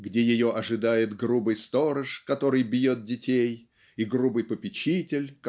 где ее ожидает грубый сторож который бьет детей и грубый попечитель